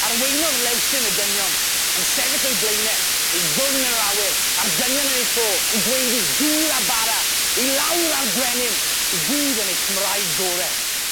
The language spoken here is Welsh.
Arweinodd Lewsyn y dynion yn sefyll o'i blaene ei ddwrn yn yr awyr a'r dynion yn eu tro yn gweiddi dŵr a bara i lawr â'r brenin i gyd yn eu Cymraeg gor'e.